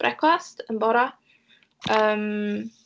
Brecwast yn bore.